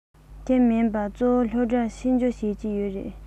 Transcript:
དེ མིན པ གཙོ བོ སློབ གྲྭར ཕྱི འབྱོར བྱེད ཀྱི ཡོད རེད